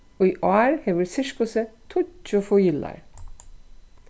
í ár hevur sirkusið tíggju fílar